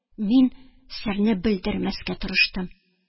Мин серне белдермәскә тырыштым.